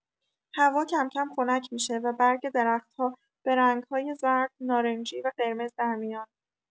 هوا کم‌کم خنک می‌شه و برگ درخت‌ها به رنگ‌های زرد، نارنجی و قرمز در میان.